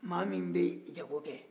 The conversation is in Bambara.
maa min bɛ jago kɛ